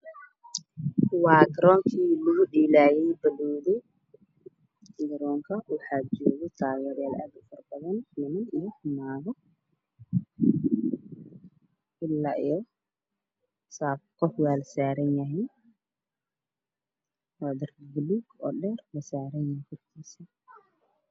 Waxa ii muuqda taageero daawana ciyaar waxa aynu joogaan garoonka kubadda cagta